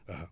waaw